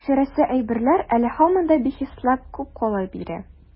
Тикшерәсе әйберләр әле һаман да бихисап күп кала бирә.